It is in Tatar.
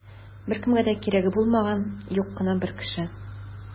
Беркемгә дә кирәге булмаган юк кына бер кеше.